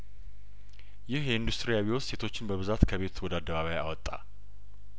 ይህ የኢንዱስትሪ አብዮት ሴቶችን በብዛት ከቤት ወደ አደባባይአወጣ